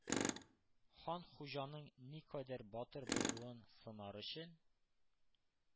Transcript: Хан Хуҗаның никадәр батыр булуын сынар өчен: